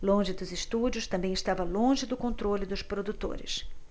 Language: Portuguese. longe dos estúdios também estava longe do controle dos produtores